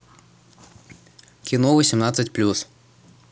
кино восемнадцать плюс